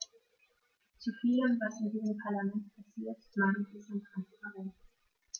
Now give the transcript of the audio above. Zu vielem, was in diesem Parlament passiert, mangelt es an Transparenz.